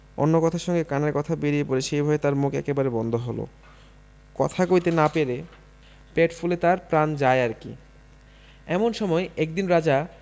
অন্য কথার সঙ্গে কানের কথা বেরিয়ে পড়ে সেই ভয়ে তার মুখ একেবারে বন্ধ হল কথা কইতে না পেয়ে পেট ফুলে তার প্রাণ যায় আর কি এমন সময় একদিন রাজা